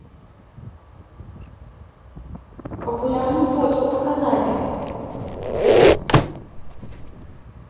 популярную фотку показали